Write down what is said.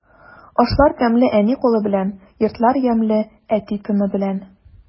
Ашлар тәмле әни кулы белән, йортлар ямьле әти тыны белән.